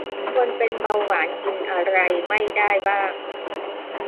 คนเป็นเบาหวานกินอะไรไม่ได้บ้าง